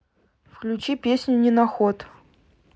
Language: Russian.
включи песню ненаход